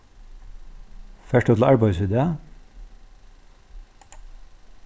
fert tú til arbeiðis í dag